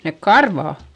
ne karvat